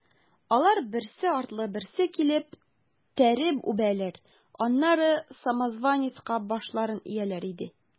Алар, берсе артлы берсе килеп, тәре үбәләр, аннары самозванецка башларын ияләр иде.